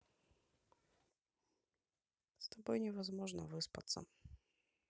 с тобой невозможно выспаться